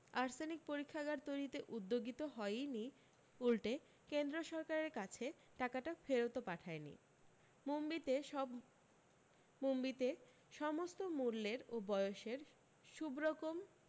arsenic পরীক্ষাগার তৈরীতে উদ্যোগী তো হইয়নি উল্টে কেন্দ্র সরকারের কাছে টাকাটা ফেরতও পাঠায়নি মুম্বিতে সব মুম্বিতে সমস্ত মূল্যের ও বয়সের সুব্রকম